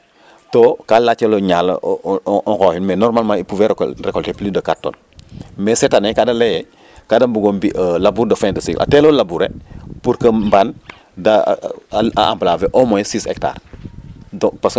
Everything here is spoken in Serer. to ka lacelooyo ñalel o nqooxin mais normalement ils pouvaient récolter plus de 4 tonnes mais cette année gaa da lay ee kaa da mbug o mbi' laboure de fin de sir a teel o labouré pour que mbaan da emblaver au moin 6 hectars